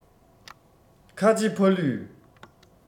ཁ ཆེ ཕ ལུས